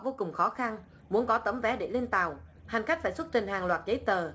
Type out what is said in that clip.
vô cùng khó khăn muốn có tấm vé để lên tàu hành khách phải xuất trình hàng loạt giấy tờ